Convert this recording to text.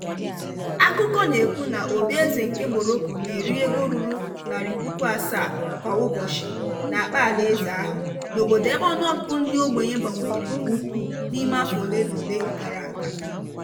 Akụkọ na-ekwu na obíeze nke Morocco na-eri ego ruru 700,000 kwa ụbọchị n'akpa alaeze ahụ, n'obodo ebe ọnụọgụgụ ndị ogbenye bawanyere nke ukwuu n'ime afọ ole na ole gara aga.